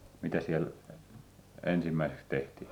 mitä siellä ensimmäiseksi tehtiin